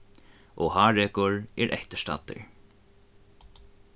og hárekur er eftir staddur